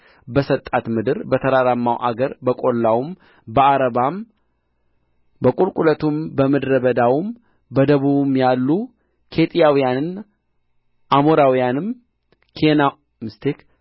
በሰጣት ምድር በተራራማው አገር በቈላውም በዓረባም በቍልቍለቱም በምድረ በዳውም በደቡቡም ያሉ ኬጢያውያን አሞራውያንም